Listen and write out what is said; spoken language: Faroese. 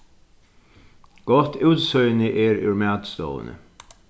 gott útsýni er úr matstovuni